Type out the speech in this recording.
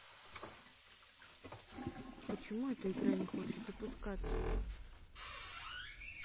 почему эта игра не хочет запускаться